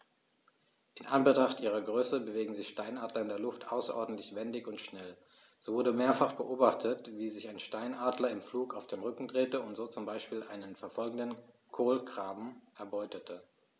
In Anbetracht ihrer Größe bewegen sich Steinadler in der Luft außerordentlich wendig und schnell, so wurde mehrfach beobachtet, wie sich ein Steinadler im Flug auf den Rücken drehte und so zum Beispiel einen verfolgenden Kolkraben erbeutete.